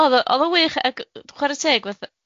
Do o'dd o o'dd o'n wych ag chwarae teg fatha